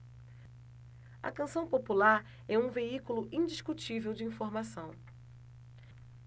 a canção popular é um veículo indiscutível de informação